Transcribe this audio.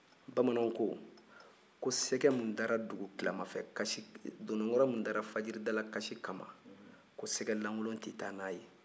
bamanw ko ko sɛgɛ min dara dugutilama fɛ kasi dununkɔrɔ min dara dugutilama fɛ kasi kama ko sɛgɛ lankolon tɛ taa n'a ye